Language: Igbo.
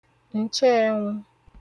ǹcheẹnwụ̄